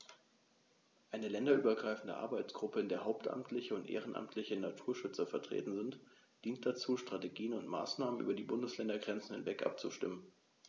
Eine länderübergreifende Arbeitsgruppe, in der hauptamtliche und ehrenamtliche Naturschützer vertreten sind, dient dazu, Strategien und Maßnahmen über die Bundesländergrenzen hinweg abzustimmen.